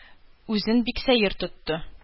Үзен бик сәер тотты.